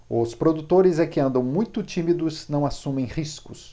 os produtores é que andam muito tímidos não assumem riscos